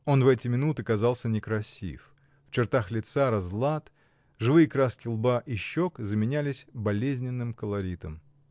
Он в эти минуты казался некрасив: в чертах лица разлад, живые краски лба и щек заменялись болезненным колоритом.